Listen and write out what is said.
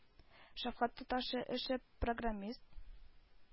Шәфкать туташы эше, программист